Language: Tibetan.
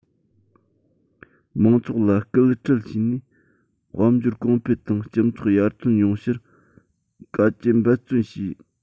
མང ཚོགས ལ སྐུལ ཁྲིད བྱས ནས དཔལ འབྱོར གོང འཕེལ དང སྤྱི ཚོགས ཡར ཐོན ཡོང ཕྱིར དཀའ སྤྱད འབད བརྩོན བྱས